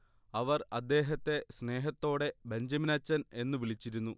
അവർ അദ്ദേഹത്തെ സ്നേഹത്തോടെ ബെഞ്ചമിനച്ചൻ എന്ന് വിളിച്ചിരുന്നു